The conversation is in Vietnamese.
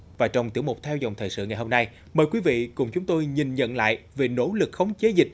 và trong tiểu mục theo dòng thời sự ngày hôm nay mời quý vị cùng chúng tôi nhìn nhận lại về nỗ lực khống chế dịch